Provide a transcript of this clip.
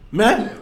Mais